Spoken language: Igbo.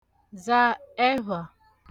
zà ẹvhà